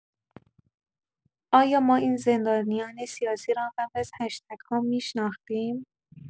آیا ما این زندانیان سیاسی را قبل از هشتگ‌ها می‌شناختیم؟